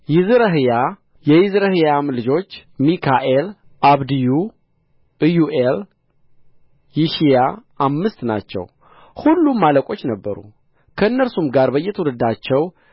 ይዝረሕያ የይዝረሕያም ልጆች ሚካኤል አብድዩ ኢዮኤል ይሺያ አምስት ናቸው ሁሉም አለቆች ነበሩ ከእነርሱም ጋር በየትውልዳቸው